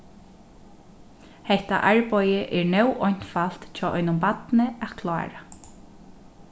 hetta arbeiðið er nóg einfalt hjá einum barni at klára